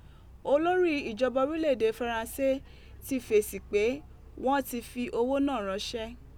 Olori ijọba orilẹ ede Faransé ti fesi pe wọn ti fi owo naa ranṣẹ.